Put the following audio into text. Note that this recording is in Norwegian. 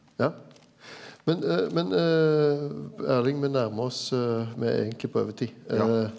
ja men men Erling me nærmar oss me er eigentleg på overtid .